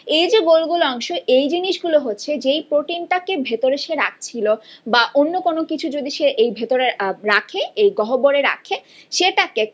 এই যে গোল গোল অংশ হচ্ছে যে প্রোটিন টাকে ভেতরে সে রাখছিল বা অন্য কোন কিছু যদি সে ভেতরের রাখে এই গহবরে রাখে সেটাকে